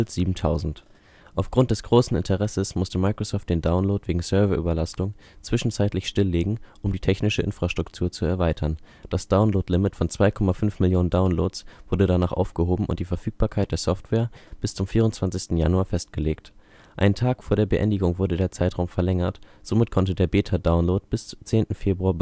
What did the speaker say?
7000). Aufgrund des großen Interesses musste Microsoft den Download wegen Serverüberlastung zwischenzeitlich stilllegen, um die technische Infrastruktur zu erweitern. Das Download-Limit von 2,5 Millionen Downloads wurde danach aufgehoben und die Verfügbarkeit der Software bis zum 24. Januar festgelegt. Einen Tag vor der Beendigung wurde der Zeitraum verlängert, somit konnte der Beta-Download bis 10. Februar